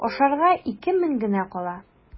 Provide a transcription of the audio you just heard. Ашарга ике мең генә кала.